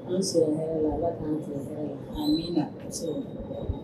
An sɔrɔ an bɛ sɔrɔ